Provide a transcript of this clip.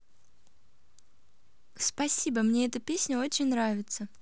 спасибо мне эта песня очень нравится